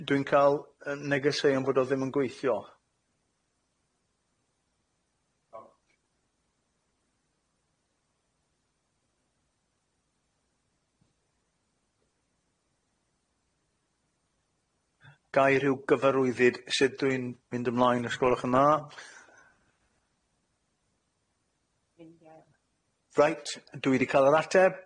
Yym dwi'n ca'l yy negeseuon bod o ddim yn gweithio. Ga i ryw gyfarwyddyd sud dwi'n mynd ymlaen os gwelwch yn dda? Reit, dwi 'di cal yr ateb.